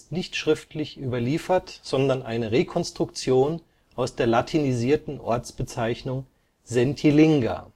nicht schriftlich überliefert, Rekonstruktion aus der latinisierten Ortsbezeichnung „ Sentilinga